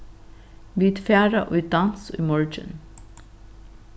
vit fara í dans í morgin